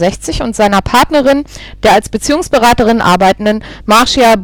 * 1969), und seiner Partnerin, der als Beziehungsberaterin arbeitenden Marcia